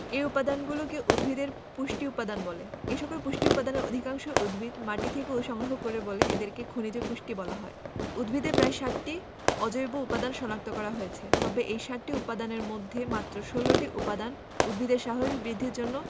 এ উপাদানগুলোকে উদ্ভিদের পুষ্টি উপাদান বলে এসকল পুষ্টি উপাদানের অধিকাংশই উদ্ভিদ মাটি থেকে সংগ্রহ করে বলে এদেরকে খনিজ পুষ্টি বলা হয় উদ্ভিদে প্রায় 60টি অজৈব উপাদান শনাক্ত করা হয়েছে তবে এই 60টি উপাদানের মধ্যে মাত্র 16টি উপাদান উদ্ভিদের স্বাভাবিক বৃদ্ধির জন্য